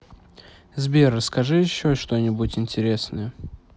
сбер расскажи еще что нибудь интересное